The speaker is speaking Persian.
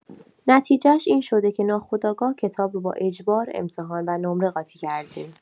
نتیجه‌ش این شده که ناخودآگاه کتاب رو با اجبار، امتحان و نمره قاطی کردیم.